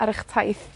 ar 'ych taith